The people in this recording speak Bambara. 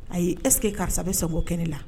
Ayi y' ɛseke karisa bɛ sogo kɛnɛ ne la